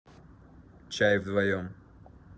чай вдвоем